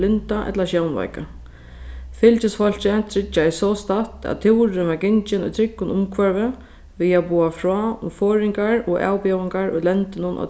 blinda ella sjónveika fylgisfólkið tryggjaði sostatt at túrurin var gingin í tryggum umhvørvi við at boða frá um forðingar og avbjóðingar í lendinum á